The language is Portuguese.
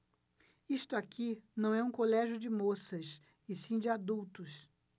isto aqui não é um colégio de moças e sim de adultos